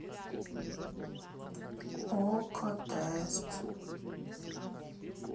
окко текст